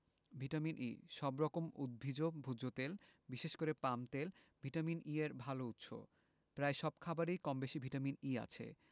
vitamin E সব রকম উদ্ভিজ্জ ভোজ্য তেল বিশেষ করে পাম তেল ভিটামিন ই এর ভালো উৎস প্রায় সব খাবারেই কমবেশি ভিটামিন ই আছে